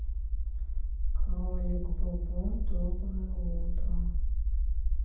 кролик бобо доброе утро